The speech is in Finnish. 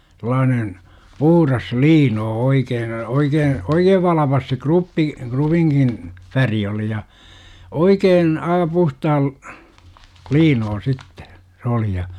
sellainen puhdas liino oikein oikein oikein valpas se kruppi krupinkin väri oli ja oikein - puhtaan liino sitten se oli ja